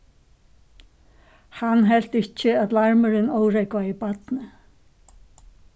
hann helt ikki at larmurin órógvaði barnið